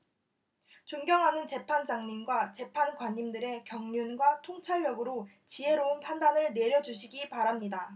존경하는 재판장님과 재판관님들의 경륜과 통찰력으로 지혜로운 판단을 내려주시기 바랍니다